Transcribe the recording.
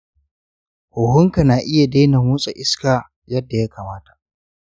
huhunka na iya daina motsa iska yadda ya kamata.